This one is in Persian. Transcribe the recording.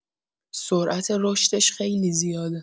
سرعت رشدش خیلی زیاده.